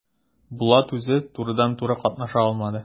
Булат үзе турыдан-туры катнаша алмады.